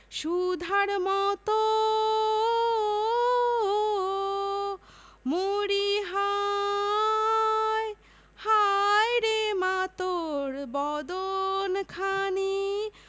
সুধার মতো মরিহায় হায়রে মা তোর বদন খানি